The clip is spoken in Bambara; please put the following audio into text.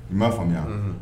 I b'a faamuya